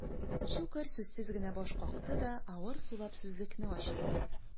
Щукарь сүзсез генә баш какты да, авыр сулап сүзлекне ачты.